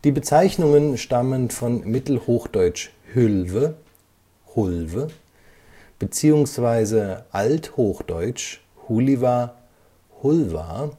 Bezeichnungen stammen von mittelhochdeutsch hülwe / hulwe beziehungsweise althochdeutsch huliwa / hulwa